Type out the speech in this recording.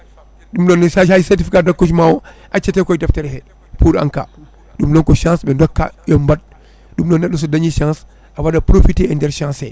ɗum noon ni hay certificat d' accouchement o accete koye deftere he pour en :vra cas ɗum noon ko chance ɓe dokka yooɓe mbat ɗum noon neɗɗo so dañi chance awaɗat profité e nder chance he